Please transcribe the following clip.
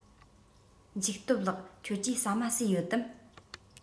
འཇིགས སྟོབས ལགས ཁྱོད ཀྱིས ཟ མ ཟོས ཡོད དམ